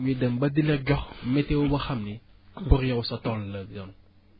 ñu dem ba di la jox météo boo xam ni pour yow sa tool la yow